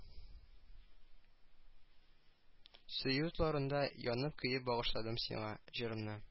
Сөю утларында янып-көеп багышладым сиңа җырымны